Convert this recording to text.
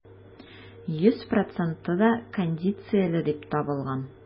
Йөз проценты да кондицияле дип табылган.